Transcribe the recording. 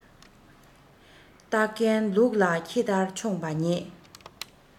སྟག རྒན ལུག ལ ཁྱི ལྟར མཆོངས པས ཉེས